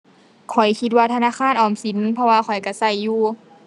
ข้อยคิดว่าธนาคารออมสิน เพราะว่าข้อยก็ก็อยู่